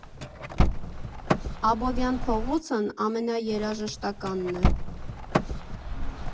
Աբովյան փողոցն ամենաերաժշտականն է։